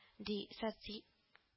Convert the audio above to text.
- ди соци